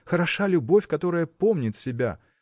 хороша любовь, которая помнит себя!